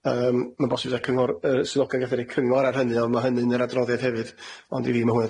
Yym ma'n bosib 'da cyngor yy swyddogion yn gellu rhoi cyngor ar hynny ond ma' hynny'n yr adroddiad hefyd, ond i fi ma' hwn